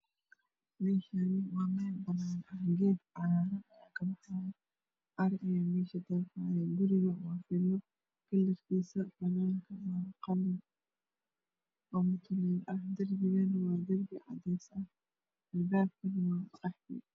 Meshni mel banan ah geed cagarn aya kabaxayo ari aya mesh daqayo gurigan waa filo kalarkis banank waa qalin oo mutuleel ah dirbigan waa dirbi cades ah albabkan waa qahwi